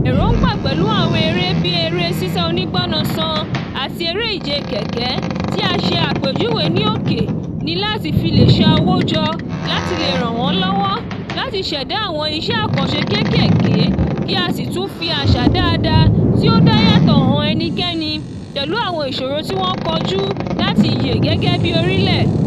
Èròńgbà pẹ̀lú àwọn eré bíi eré sísá onígbọnansan àti eré ìje kẹ̀kẹ́ tí a ṣe àpèjúwe ní òkè ni láti fi lè ṣa owó jọ láti lè ràn wọ́n lọ́wọ́ láti ṣẹ̀dá àwọn iṣẹ́ àkànṣe kéékéèké kí á sì tún fi àṣà dáadáa tí ó dá yàtọ̀ han ẹnikẹ́ni, pẹ̀lú àwọn ìṣòro tí wọ́n kojú láti yè gẹ́gẹ́ bíi orílẹ̀.